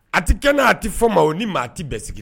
A tɛ kɛ n' a tɛ fɔ ma o ni maa tɛ bɛ sigi